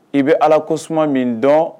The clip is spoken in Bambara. I bɛ ala ko tasuma min dɔn